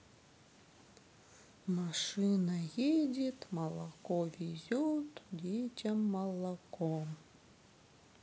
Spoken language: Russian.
машина едет молоко везет детям молоко